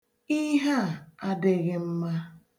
Ihe a adịghị mma.